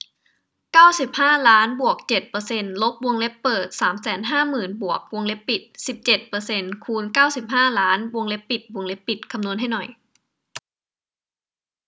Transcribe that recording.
เก้าสิบห้าล้านบวกเจ็ดเปอร์เซนต์ลบวงเล็บเปิดสามแสนห้าหมื่นบวกวงเล็บเปิดสิบเจ็ดเปอร์เซนต์คูณเก้าสิบห้าล้านวงเล็บปิดวงเล็บปิดคำนวณให้หน่อย